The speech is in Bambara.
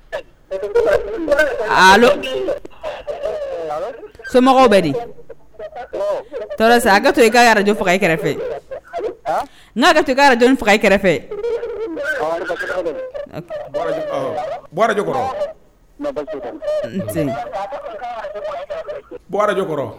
Somɔgɔw bɛ di to i jɔ faga kɛrɛfɛ n'a to jɔn faga kɛrɛfɛkɔrɔ zkɔrɔ